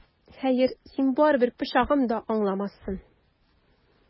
Хәер, син барыбер пычагым да аңламассың!